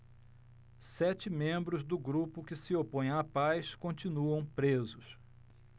sete membros do grupo que se opõe à paz continuam presos